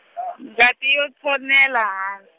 ngati yo tshonela han-.